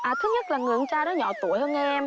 à thứ nhất là người con trai đó nhỏ tuổi hơn em